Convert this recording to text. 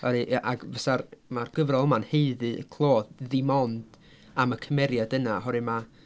Oherwydd ia ac fysa'r... mae'r gyfrol ma'n haeddu y clod ddim ond am y cymeriad yna oherwydd mae...